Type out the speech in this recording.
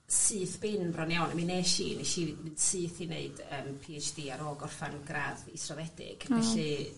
syth bin bron iawn mi nesh i nesh i m- syth i neud yym Pee Heitch Dee ar ôl gorffan gradd israddedig... Hmm ...felly